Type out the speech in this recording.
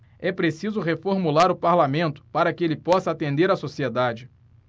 é preciso reformular o parlamento para que ele possa atender a sociedade